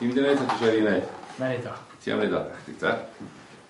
Dwi' mynd i neud o ti isio fi neud? Neud o. Ti am neud o 'de.